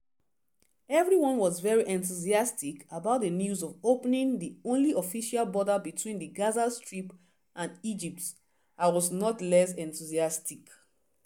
Everyone was very enthusiastic about the news of opening the only official border between the Gaza Strip and Egypt, I was not less enthusiastic.